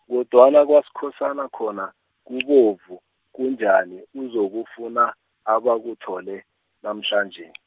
kodwana kwaSkhosana khona, kubovu, kunjani, uzokufuna, abakuthole, namhlanje .